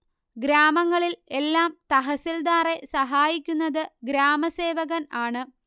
ഗ്രാമങ്ങളിൽ എല്ലാം തഹസിൽദാറെ സഹായിക്കുന്നത് ഗ്രാമസേവകൻ ആണ്